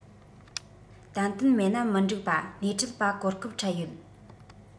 ཏན ཏན མེད ན མི འགྲིག པ སྣེ ཁྲིད པ གོ སྐབས འཕྲད ཡོད